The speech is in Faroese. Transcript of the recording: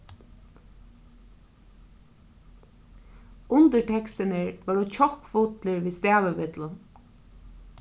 undirtekstirnir vóru kjokkfullir við stavivillum